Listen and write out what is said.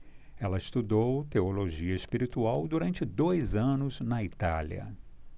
ela estudou teologia espiritual durante dois anos na itália